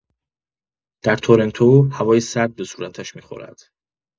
در تورنتو، هوای سرد به صورتش می‌خورد.